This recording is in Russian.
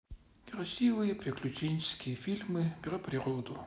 красивые приключенческие фильмы про природу